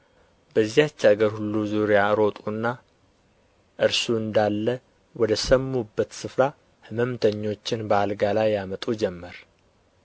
በዚያች አገር ሁሉ ዙሪያ ሮጡና እርሱ እንዳለ ወደ ሰሙበት ስፍራ ሕመምተኞችን በአልጋ ላይ ያመጡ ጀመር